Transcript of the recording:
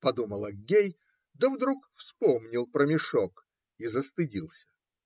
подумал Аггей, да вдруг вспомнил про мешок и застыдился.